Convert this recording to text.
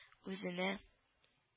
Үзенә